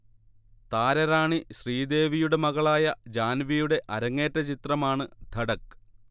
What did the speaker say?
താരറാണി ശ്രീദേവിയുടെ മകളായ ജാൻവിയുടെ അരങ്ങേറ്റ ചിത്രമാണ് ധഡക്